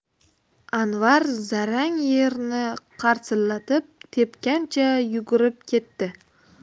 anvar zarang yerni qarsillatib tepgancha yugurib ketdi